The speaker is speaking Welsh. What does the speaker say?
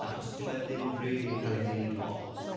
Achos dyw e ddim rili yn cael ei wneud lot.